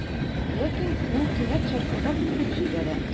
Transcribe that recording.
Ләкин ул кинәт шаркылдап көлеп җибәрә.